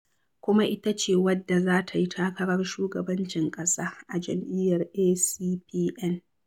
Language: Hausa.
Kuma ita ce wadda za ta yi takarar shugabancin ƙasa a jam'iyyar ACPN